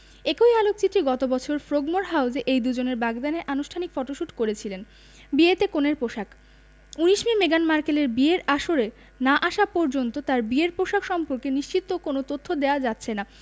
একই আলোকচিত্রী গত বছর ফ্রোগমোর হাউসে এই দুজনের বাগদানের আনুষ্ঠানিক ফটোশুট করেছিলেন বিয়েতে কনের পোশাক ১৯ মে মেগান মার্কেলের বিয়ের আসরে না আসা পর্যন্ত তাঁর বিয়ের পোশাক সম্পর্কে নিশ্চিত কোনো তথ্য দেওয়া যাচ্ছে না